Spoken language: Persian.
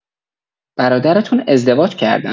برادرتون ازدواج کردن؟